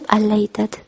alla aytadi